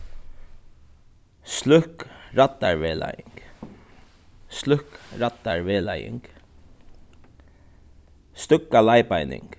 sløkk raddarvegleiðing sløkk raddarvegleiðing steðga leiðbeining